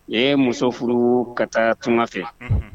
I muso furu ka taatuma fɛ